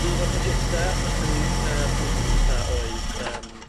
..so un o'r projiecta nathon ni yy blwyddyn dwitha oedd yym...